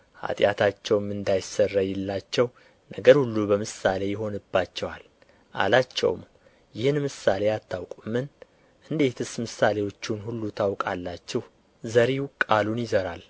ኃጢአታቸውም እንዳይሰረይላቸው ነገር ሁሉ በምሳሌ ይሆንባቸዋል አላቸውም ይህን ምሳሌ አታውቁምን እንዴትስ ምሳሌዎቹን ሁሉ ታውቃላችሁ ዘሪው ቃሉን ይዘራል